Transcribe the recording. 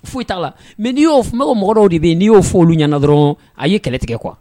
Foyi t'a la mɛ n'i y'o kuma mɔgɔww de bɛ yen n'i y'o foli oluolu ɲɛnaana dɔrɔn a y'i kɛlɛtigɛ kuwa